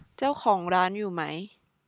เจ้าของร้านอยู่ไหม